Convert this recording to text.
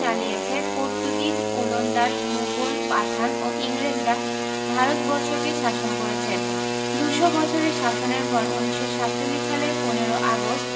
চালিছে পর্তুগিজ ওলন্দাজ মুঘল পাঠান ও ইংরেজরা ভারত বর্ষকে শাসন করেছে দু'শ বছরের শাসনের পর ১৯৪৭ সালের ১৫ ই আগস্ট